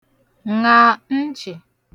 ṅa nchị̀